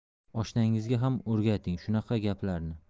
oshnangizga ham o'rgating shunaqa gaplarni